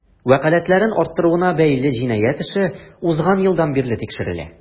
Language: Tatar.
Вәкаләтләрен арттыруына бәйле җинаять эше узган елдан бирле тикшерелә.